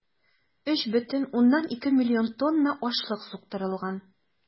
3,2 млн тонна ашлык суктырылган.